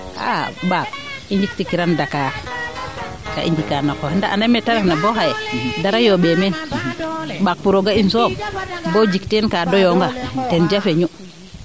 xa'a ɓaak i njik ti kiran Dakar kaa i njika na qoox in ndaa anda meete refna boo xaye dara yoombe meen ɓaak pour o ga'in soom bo jik teen kaa doyoonga ten jafeñu